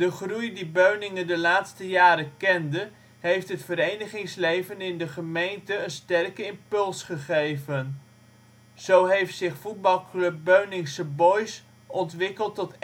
groei die Beuningen de laatste jaren kende heeft het verenigingsleven in de gemeente een sterke impuls gegeven. Zo heeft zich voetbalclub Beuningse Boys ontwikkeld tot